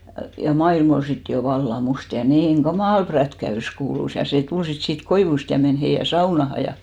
ja maailma oli sitten jo vallan musta ja niin kamala prätkäys kuului ja se tuli sitten siitä koivusta ja meni heidän saunaan ja